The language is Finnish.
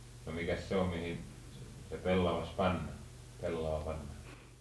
no mikäs se on mihin se pellavas pannaan pellava pannaan